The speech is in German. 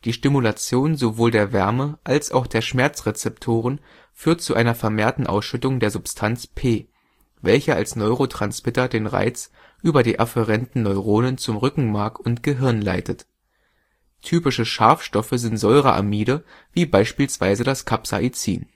Stimulation sowohl der Wärme - als auch der Schmerzrezeptoren führt zu einer vermehrten Ausschüttung der Substanz P, welche als Neurotransmitter den Reiz über die afferenten Neuronen zum Rückenmark und Gehirn leitet. Typische Scharfstoffe sind Säureamide wie beispielsweise das Capsaicin